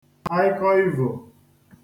aịkọ ivò